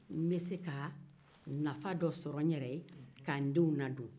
n'bɛ se ka nafan dɔ sɔrɔ n'yɛrɛ ye ka n'denw ladon